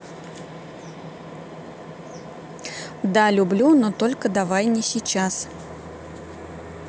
да люблю но только давай не сейчас